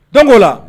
Don'o la